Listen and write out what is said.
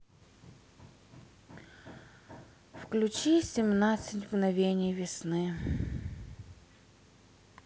включи семнадцать мгновений весны